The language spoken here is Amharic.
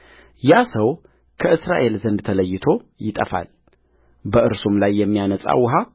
ያ ሰው ከእስራኤል ዘንድ ተለይቶ ይጠፋል በእርሱም ላይ የሚያነጻ ውኃ